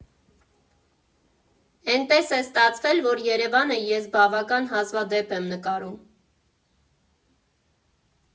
Էնպես է ստացվել, որ Երևանը ես բավական հազվադեպ եմ նկարում։